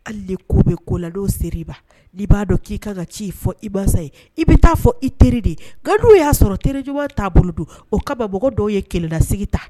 Hali ni ko bɛ ko la n'o sera i ma, n'i b'a dɔn k'i kan ka ci fɔ i masa ye, i bɛ taa fɔ i teri de ye nka n'o y'a sɔrɔ teri ɲuman t'a bolo don? O kama mɔgɔ dɔw ye kelennasigi ta.